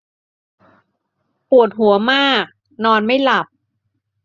ปวดหัวมากนอนไม่หลับ